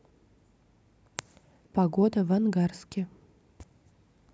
погода в ангарске